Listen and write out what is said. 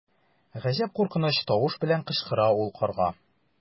Гаҗәп куркыныч тавыш белән кычкыра ул карга.